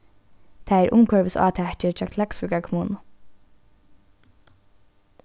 tað er umhvørvisátakið hjá klaksvíkar kommunu